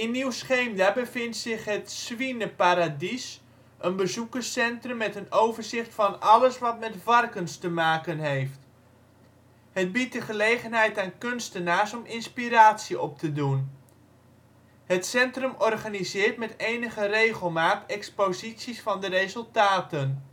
Nieuw-Scheemda bevindt zich het Swieneparradies, een bezoekerscentrum met een overzicht van alles wat met varkens te maken heeft. Het biedt de gelegenheid aan kunstenaars om inspiratie op te doen. Het centrum organiseert met enige regelmaat exposities van de resultaten